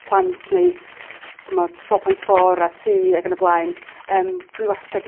plant neu t'mod four point four a tŷ ag yn y blaen yym dwi wastad